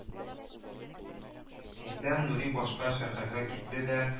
Тиздән Нури башка шәһәргә китте дә